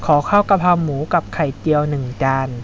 ขอข้าวกะเพราหมูกับไข่เจียวหนึ่งจาน